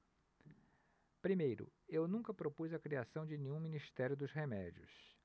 primeiro eu nunca propus a criação de nenhum ministério dos remédios